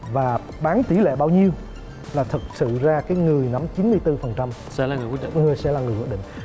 và bán tỷ lệ bao nhiêu là thực sự ra cái người nắm chín mươi tư phần trăm sẽ sẽ là người quyết định